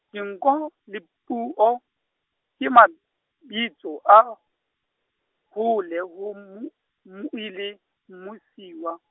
dinko le puo, ke mabitso a, hole ho mmu-, mmui le mmuiswa.